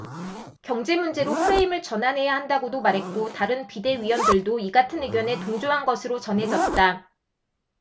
경제 문제로 프레임을 전환해야 한다고도 말했고 다른 비대위원들도 이 같은 의견에 동조한 것으로 전해졌다